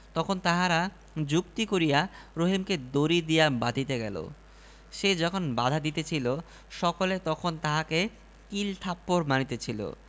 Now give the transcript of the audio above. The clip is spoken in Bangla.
বলা যায় না রহিমের বউ বলিল আপনারা আজকের মতো ওকে খামের সঙ্গে বাঁধিয়া রাখিয়া যান কাল যদি না সারে পাগলা গারদে লইয়া যাইবেন